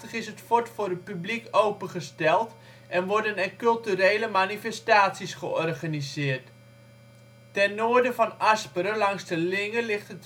publiek opengesteld en worden er culturele manifestaties georganiseerd. Ten noorden van Asperen langs de Linge ligt